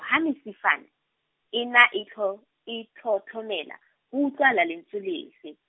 ha mesifana ena e thlo- e thothomela, ho utlwahala lentswe lefe?